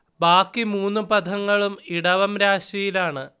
ബാക്കി മൂന്നു പഥങ്ങളും ഇടവം രാശിയിൽ ആണ്